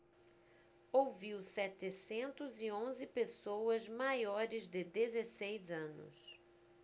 ouviu setecentos e onze pessoas maiores de dezesseis anos